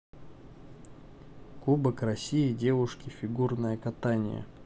кубок россии девушки фигурное катание